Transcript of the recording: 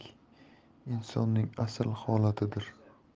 haqidabolalik insonning asl holatidir